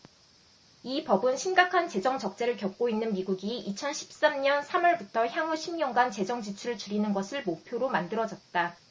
이 법은 심각한 재정적자를 겪고 있는 미국이 이천 십 삼 년 삼 월부터 향후 십 년간 재정지출을 줄이는 것을 목표로 만들어졌다